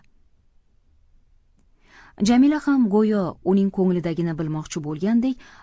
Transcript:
jamila ham go'yo uning ko'nglidagini bilmoqchi bo'lgandek